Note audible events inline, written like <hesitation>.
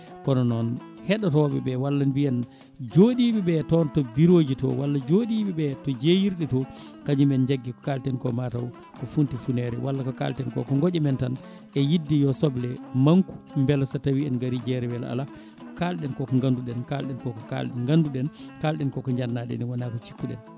kono noon heɗotoɓeɓe walla mbaiyen joɗiɓeɓe toon to bureau oji to walla joɗiɓeɓe to jeyirɗe to kañumen jaggui ko kalten ko mataw ko funti funere walla ko kalten ko ko gooƴaji men tan e yidde yo soble manque u beele so tawi en gaari jeere weela ala kalɗen koko ganduɗen kalɗen koko <hesitation> ganduɗen kalɗen koko jenaneɗen wono ko cikku ɗen